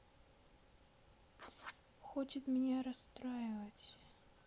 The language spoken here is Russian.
хочет меня расстраивать